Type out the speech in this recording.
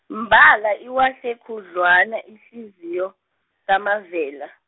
mbala iwahle khudlwana ihliziyo, kaMavela.